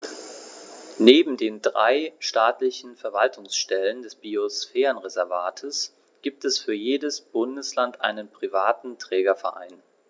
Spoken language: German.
Neben den drei staatlichen Verwaltungsstellen des Biosphärenreservates gibt es für jedes Bundesland einen privaten Trägerverein.